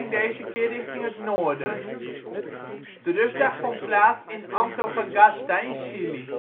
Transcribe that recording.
deze keer richting het noorden. De rustdag vond plaats in Antofagasta in Chili